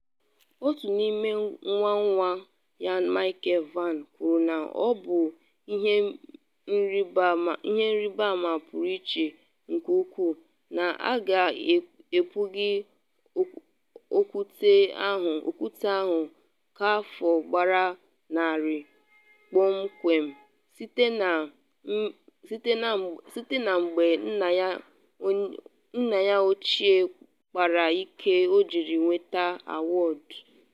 Otu n’ime nwa nwa ya Michael Vann, kwuru na ọ bụ “ihe nrịbama pụrụ iche nke ukwuu” na a ga-ekpughe okwute ahụ ka afọ gbara 100 kpọmkwem site na mgbe nna ya ochie kpara ike o jiri nweta awọdụ.